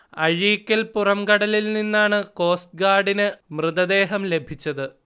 അഴീക്കൽ പുറംകടലിൽ നിന്നാണ് കോസ്റ്റ്ഗാർഡിന് മൃതദേഹം ലഭിച്ചത്